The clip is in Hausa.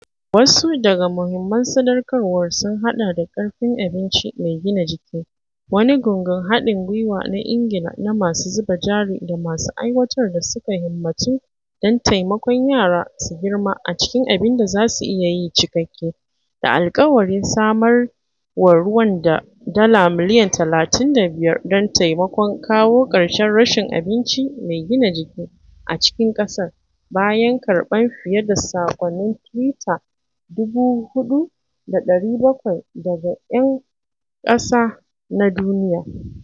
Wasu daga muhimman sadaukarwar sun haɗa da Ƙarfin Abinci Mai Gina Jiki, wani gungun haɗin gwiwa na Ingila na masu zuba jari da masu aiwatar da suka himmatu don "taimakon yara su girma a cikin abin da za su iya yi cikekke," da alƙawari samar wa Ruwanda da dala miliyan 35 don taimakon kawo ƙarshen rashin abinci mai gina jiki a cikin ƙasar bayan karɓan fiye da sakonnin Twitter 4,700 daga 'Yan Ƙasa na Duniya.